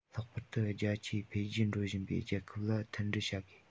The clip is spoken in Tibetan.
ལྷག པར དུ རྒྱ ཆེའི འཕེལ རྒྱས འགྲོ བཞིན པའི རྒྱལ ཁབ ལ མཐུན སྒྲིལ བྱ དགོས